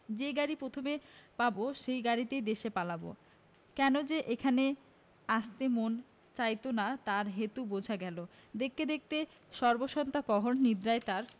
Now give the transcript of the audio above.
যে গাড়ি প্রথমে পাব সেই গাড়িতে দেশে পালাব কেন যে এখানে আসতে মন চাইত না তার হেতু বোঝা গেল দেখতে দেখতে সর্বসন্তাপহর নিদ্রায় তাঁর